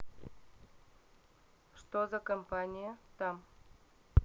что за компания там